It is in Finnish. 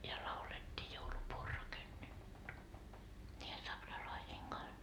ja laulettiin joulupuu on rakennettu niiden saksalaisten kanssa